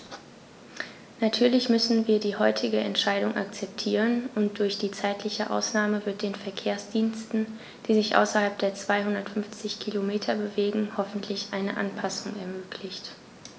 Natürlich müssen wir die heutige Entscheidung akzeptieren, und durch die zeitliche Ausnahme wird den Verkehrsdiensten, die sich außerhalb der 250 Kilometer bewegen, hoffentlich eine Anpassung ermöglicht.